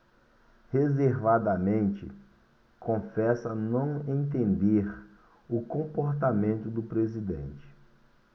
reservadamente confessa não entender o comportamento do presidente